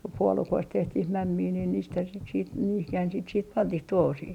kun puolukoista tehtiin mämmiä niin niitähän sitä sitten niihinhän sitä sitten pantiin tuohisiin